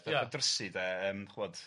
Ia. Yn drysu de yym chi'mod.